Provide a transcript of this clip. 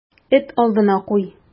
Эт алдына куй.